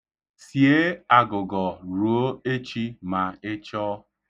Sie agụgọ, ruo echi ma ị chọọ.